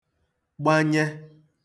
gbanye